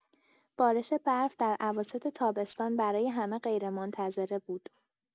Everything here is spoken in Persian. بارش برف در اواسط تابستان برای همه غیرمنتظره بود.